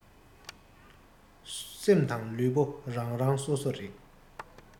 སེམས དང ལུས པོ རང རང སོ སོ རེད